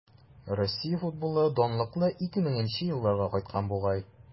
Россия футболы данлыклы 2000 нче елларга кайткан бугай.